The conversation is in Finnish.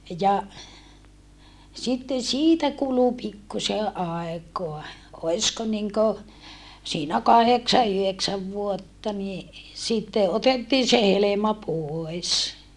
ja sitten siitä kului pikkuisen aikaa olisiko niin kuin siinä kahdeksan yhdeksän vuotta niin sitten otettiin se helma pois